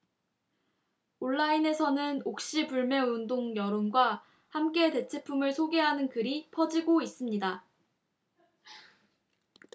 온라인에서는 옥시 불매운동 여론과 함께 대체품을 소개하는 글이 퍼지고 있습니다